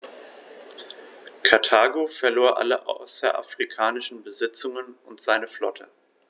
Karthago verlor alle außerafrikanischen Besitzungen und seine Flotte.